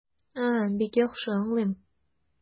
А, бик яхшы аңлыйм.